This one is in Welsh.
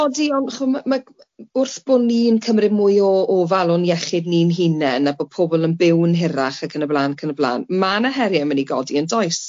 Odi ond chi'bod ma' wrth bo ni'n cymryd mwy o ofal o'n iechyd ni'n hunen a bod pobol yn byw'n hirach ac yn y blan ac yn y blan, ma' 'na herie'n mynd i godi yn does?